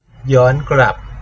ย้อนกลับ